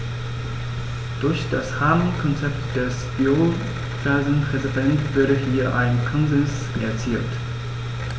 Durch das Rahmenkonzept des Biosphärenreservates wurde hier ein Konsens erzielt.